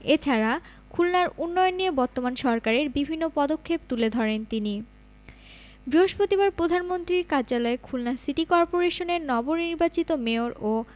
এছাড়া খুলনার উন্নয়ন নিয়ে বর্তমান সরকারের বিভিন্ন পদক্ষেপ তুলে ধরেন তিনি বৃহস্পতিবার প্রধানমন্ত্রীর কার্যালয়ে খুলনা সিটি কর্পোরেশনের নবনির্বাচিত মেয়র ও